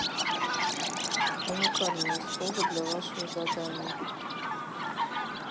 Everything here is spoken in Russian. уникальное слово для вашего задания